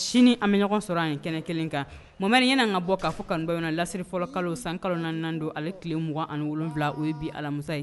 Sini a bɛ ɲɔgɔn sɔrɔ in kɛnɛ kelen kan mama in ɲɛna ka bɔ k'a kan bɔ na lassiriri fɔlɔ kalo san kalonannan don ale tile 2 aniwula o ye bi alamisa ye